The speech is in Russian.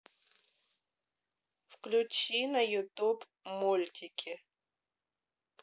включи на ютуб мультики